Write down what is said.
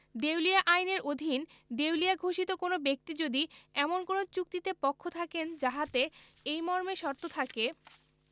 দেউলিয়া আইন এর অধীন দেউলিয়া ঘোষিত কোন ব্যক্তি যদি এমন কোন চুক্তিতে পক্ষ থাকেন যাহাতে এই মর্মে শর্ত থাকে